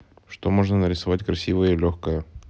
что можно нарисовать красивое и легкое